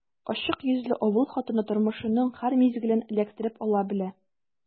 Ачык йөзле авыл хатыны тормышның һәр мизгелен эләктереп ала белә.